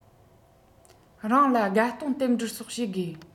རང ལ དགའ སྟོན རྟེན འབྲེལ སོགས བྱེད དགོས